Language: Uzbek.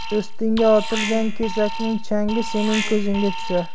do'stingga otilgan kesakning changi sening ko'zingga tushar